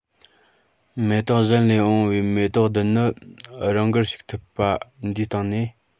མེ ཏོག གཞན ལས འོངས པའི མེ ཏོག རྡུལ ནི རང དགར ཞུགས ཐུབ པ འདིའི སྟེང ནས